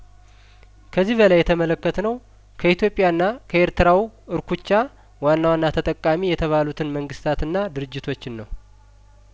ከዚህ በላይ የተመለከትነው ከኢትዮጵያ ና ከኤርትራው እርኩቻ ዋና ዋና ተጠቃሚ የተባሉትን መንግስታትና ድርጅቶችን ነው